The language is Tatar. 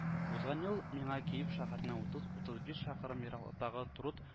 Узган ел миңа Киев шәһәреннән утыз - утызбиш чакрым ераклыктагы Труд